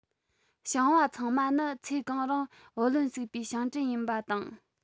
ཞིང པ ཚང མ ནི ཚེ གང རིང བུ ལོན ཟུག པའི ཞིང བྲན ཡིན པ དང